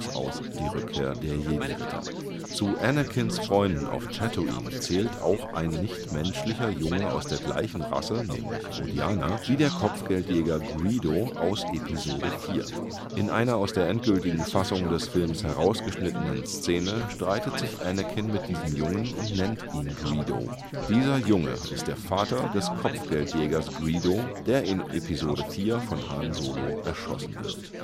aus „ Die Rückkehr der Jedi-Ritter “. Zu Anakins Freunden auf Tattooine zählt auch ein nicht-menschlicher Junge aus der gleichen Rasse (Rodianer) wie der Kopfgeldjäger Greedo aus Episode IV. In einer aus der endgültigen Fassung des Films herausgeschnittenen Szene streitet sich Anakin mit diesem Jungen und nennt ihn „ Greedo “. Dieser Junge ist der Vater des Kopfgeldjägers Greedo, der in Episode IV von Han Solo erschossen wird